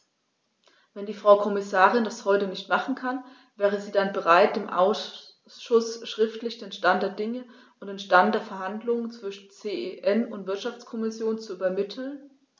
Wenn die Frau Kommissarin das heute nicht machen kann, wäre sie dann bereit, dem Ausschuss schriftlich den Stand der Dinge und den Stand der Verhandlungen zwischen CEN und Wirtschaftskommission zu übermitteln?